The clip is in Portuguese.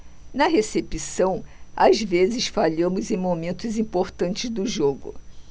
na recepção às vezes falhamos em momentos importantes do jogo